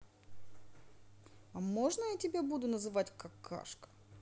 а можно я тебя буду называть какашка